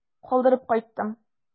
Калдырып кайттым.